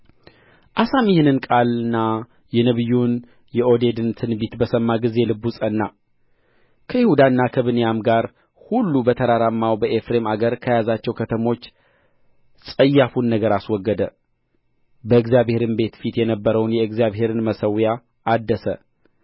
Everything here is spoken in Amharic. አሳም ይህን ቃልና የነቢዩን የዖዴድን ትንቢት በሰማ ጊዜ ልቡ ጸና ከይሁዳና ከቢንያምም አገር ሁሉ በተራራማውም በኤፍሬም አገር ከያዛቸው ከተሞች ጸያፉን ነገር አስወገደ በእግዚአብሔርም ቤት ፊት የነበረውን የእግዚአብሔርን መሠዊያ አደሰ